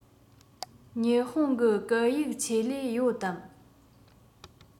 ཉི ཧོང གི སྐད ཡིག ཆེད ལས ཡོད དམ